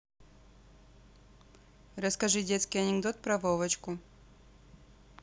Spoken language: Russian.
расскажи детский анекдот про вовочку